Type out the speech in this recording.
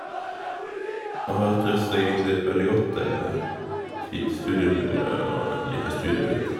Og her trives jeg egentlig veldig godt, det er fint studiemiljø, og jeg liker studiet mitt.